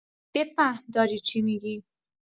بفهم داری چی می‌گی.